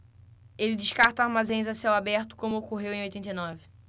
ele descarta armazéns a céu aberto como ocorreu em oitenta e nove